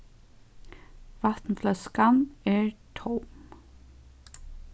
vatnfløskan er tóm